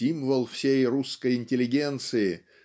символ всей русской интеллигенции